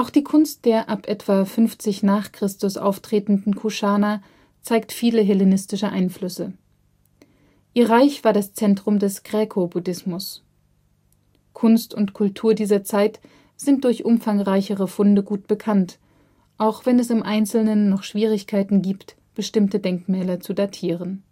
die Kunst der ab etwa 50 n. Chr. auftretenden Kuschana zeigt viele hellenistische Einflüsse. Ihr Reich war das Zentrum des Graeco-Buddhismus. Kunst und Kultur dieser Zeit sind durch umfangreichere Funde gut bekannt, auch wenn es im Einzelnen noch Schwierigkeiten gibt bestimmte Denkmäler zu datieren